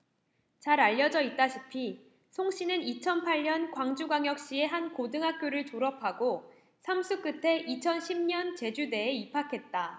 잘 알려져 있다시피 송씨는 이천 팔 년 광주광역시의 한 고등학교를 졸업하고 삼 수 끝에 이천 십 년 제주대에 입학했다